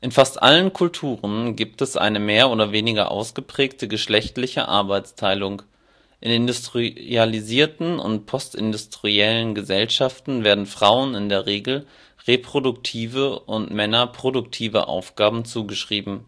fast allen Kulturen gibt es eine mehr oder weniger ausgeprägte geschlechtliche Arbeitsteilung. In industrialisierten und postindustriellen Gesellschaften werden Frauen in der Regel reproduktive und Männer produktive Aufgaben zugeschrieben